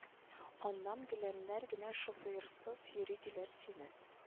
Аннан геләннәр генә шуфыйрсыз йөри диләр сине